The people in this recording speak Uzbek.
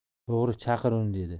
to'g'ri chaqir uni dedi